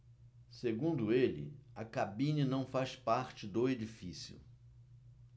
segundo ele a cabine não faz parte do edifício